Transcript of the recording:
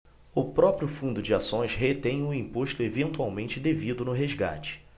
o próprio fundo de ações retém o imposto eventualmente devido no resgate